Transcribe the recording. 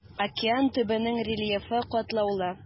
Океан төбенең рельефы катлаулы.